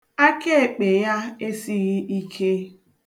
Akaekpe ya esighi ike.